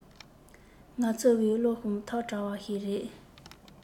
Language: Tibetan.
ང ཚོའི བློར ཤོང ཐབས བྲལ བ ཞིག རེད